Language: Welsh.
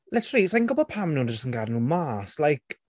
Literally, sa i'n gwbod pam nhw ddim jyst yn gadael nhw mas like...